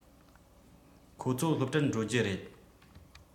ཁོ ཚོ སློབ གྲྭར འགྲོ རྒྱུ རེད